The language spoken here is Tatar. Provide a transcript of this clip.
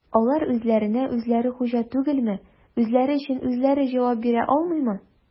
Алар үзләренә-үзләре хуҗа түгелме, үзләре өчен үзләре җавап бирә алмыймы?